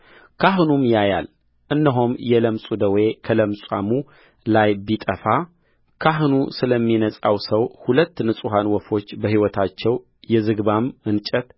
ካህኑም ያያል እነሆም የለምጹ ደዌ ከለምጻሙ ላይ ቢጠፋካህኑ ስለሚነጻው ሰው ሁለት ንጹሐን ወፎች በሕይወታቸው የዝግባም እንጨት